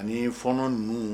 Ani fɔɔnɔ ninnu